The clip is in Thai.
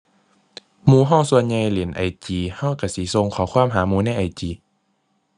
หมู่เราส่วนใหญ่เล่น IG เราเราสิส่งข้อความหาหมู่ใน IG